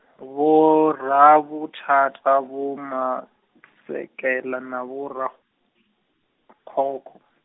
Vho Ravhuthatha, Vho Masekela na Vho Rakgokgo.